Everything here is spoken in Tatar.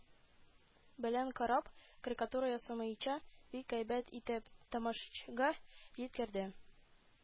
Белән карап, карикатура ясамыйча, бик әйбәт итеп тамашачыга җиткерде